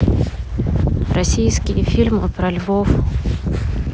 российские фильмы про львов